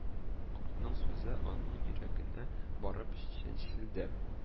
Картның сүзе аның йөрәгенә барып чәнчелде